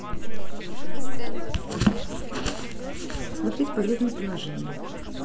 смотреть полезные приложения